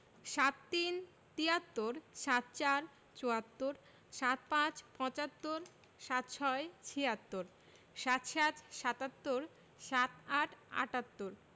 ৭৩ – তিয়াত্তর ৭৪ – চুয়াত্তর ৭৫ – পঁচাত্তর ৭৬ - ছিয়াত্তর ৭৭ – সাত্তর ৭৮ – আটাত্তর